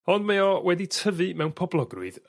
ond mae o wedi tyfu mewn poblogrwydd